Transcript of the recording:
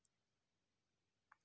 дианины истории